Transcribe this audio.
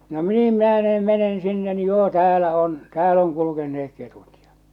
no niin menen menen sinne niin joo täällä on täällä on kulkeneet ketut ja